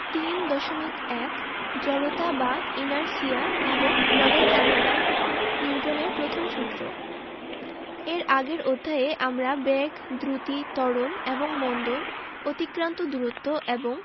৩.১ জড়তা বা ইনারশিয়া এবং বলের ধারণা নিউটনের প্রথম সূত্র এর আগের অধ্যায়ে আমরা বেগ দ্রুতি ত্বরণ এবং মন্দন অতিক্রান্ত দূরত্ব এবং